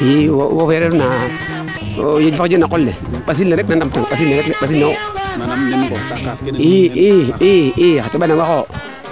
i wo fee ref na ɓasil ne rek ndaa nam tang ɓasil ne rek i xa teɓanongaxe wo